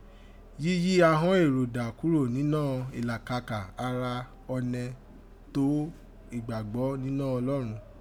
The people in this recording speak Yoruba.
Yíyí àghan èrò dà kúrò nínọ́ ìlàkàkà ara ọnẹ tó ìgbàgbọ́ nínọ́ Ọlọ́run